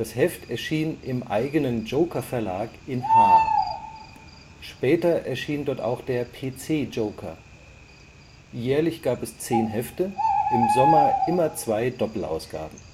Heft erschien im eigenen Joker-Verlag in Haar. Später erschien dort auch der PC Joker. Jährlich gab es zehn Hefte, im Sommer immer zwei Doppelausgaben